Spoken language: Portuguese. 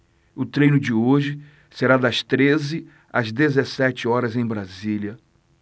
o treino de hoje será das treze às dezessete horas em brasília